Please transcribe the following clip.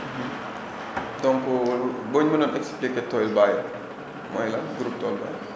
donc boo ñu mënoon expliqué TOOLBAY mooy lan groupe TOOLBAY